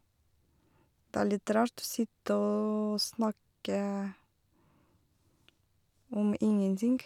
Det er litt rart å sitte og snakke om ingenting.